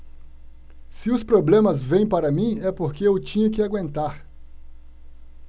se os problemas vêm para mim é porque eu tinha que aguentar